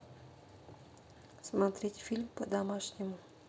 смотреть фильм по домашнему